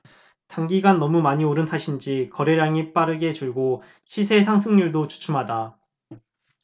단기간 너무 많이 오른 탓인지 거래량이 빠르게 줄고 시세 상승세도 주춤하다